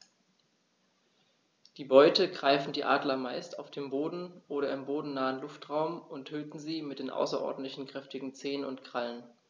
Die Beute greifen die Adler meist auf dem Boden oder im bodennahen Luftraum und töten sie mit den außerordentlich kräftigen Zehen und Krallen.